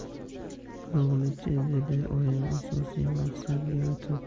o'g'li chi dedi oyim asosiy maqsadga o'tib